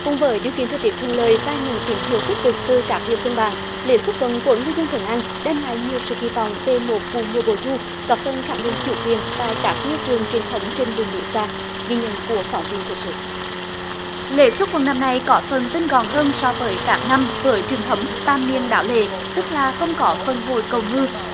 cùng với điều kiện thời tiết thuận lợi và những tín hiệu tích cực từ các địa phương bản lễ xuất quân của ngư dân thuận an đem lại nhiều sự kỳ vọng về một vụ mùa bội thu góp phần khẳng định chủ quyền tại các ngư trường truyền thống trên vùng biển xa ghi nhận của phóng viên thời sự lễ xuất quân năm nay có phần tinh gọn hơn so với các năm bởi truyền thống tam niên đáo lệ tức là không có phần hội cầu ngư